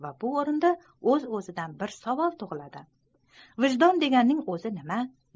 va bu orinda oz ozidan bir savol tugiladi vijdon deganining ozi nima